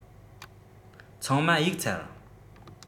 ཚང མ གཡུག ཚར